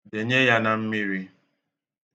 Denye ya na mmiri.